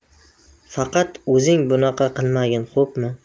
faqat o'zing bunaqa qilmagin xo'pmi